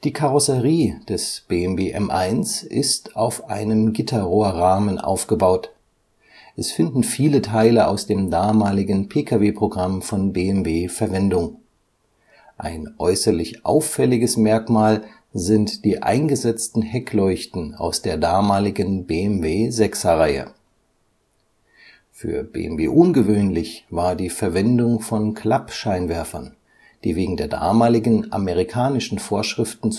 Karosserie des BMW M1 ist auf einem Gitterrohrrahmen aufgebaut. Es finden viele Teile aus dem damaligen PKW-Programm von BMW Verwendung. Ein äußerlich auffälliges Merkmal sind die eingesetzten Heckleuchten aus der damaligen BMW 6er-Reihe. Für BMW ungewöhnlich war die Verwendung von Klappscheinwerfern, die wegen der damaligen amerikanischen Vorschriften